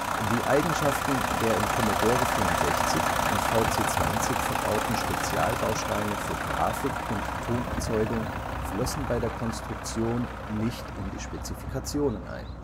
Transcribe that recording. Die Eigenschaften der im Commodore 64 und VC 20 verbauten Spezialbausteine für Grafik und Tonerzeugung flossen bei der Konstruktion nicht in die Spezifikationen ein